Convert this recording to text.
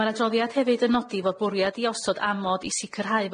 Ma'r adroddiad hefyd yn nodi fod bwriad i osod amod i sicrhau